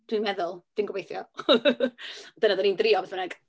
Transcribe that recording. Dwi'n meddwl, dwi'n gobeithio . Dyna oedden ni'n drio, beth bynnag.